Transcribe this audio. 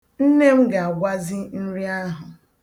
Nne m ga-agwazi nri ahụ.